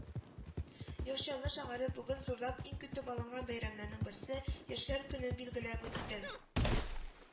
Яр Чаллы шәһәре бүген зурлап иң көтеп алынган бәйрәмнәрнең берсе - Яшьләр көнен билгеләп үтте